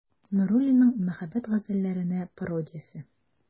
Нуруллинның «Мәхәббәт газәлләренә пародия»се.